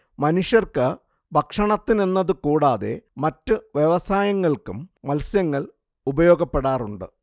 മനുഷ്യർക്ക് ഭക്ഷണത്തിനെന്നതുകൂടാതെ മറ്റു വ്യവസായങ്ങൾക്കും മത്സ്യങ്ങൾ ഉപയോഗപ്പെടാറുണ്ട്